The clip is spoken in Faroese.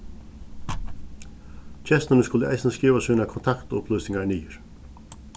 gestirnir skuldu eisini skriva sínar kontaktupplýsingar niður